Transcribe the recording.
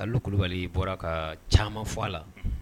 Alu Kulubali bɔra ka caman fɔ a la, unhun